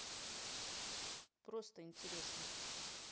просто интересно